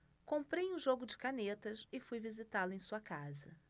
comprei um jogo de canetas e fui visitá-lo em sua casa